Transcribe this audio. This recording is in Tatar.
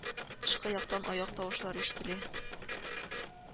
Тышкы яктан аяк тавышлары ишетелә